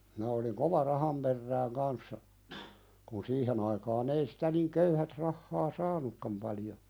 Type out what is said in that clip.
minä olin kova rahan perään kanssa kun siihen aikaan ei sitä niin köyhät rahaa saanutkaan paljon